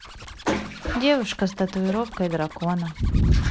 девушка с татуировкой дракона